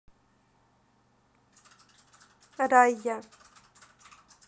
райя